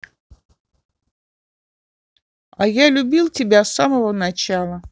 я любил тебя с самого начала